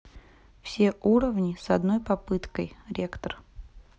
все уровни с одной попыткой ректор